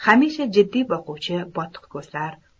hamisha jiddiy boquvchi botiq ko'zlar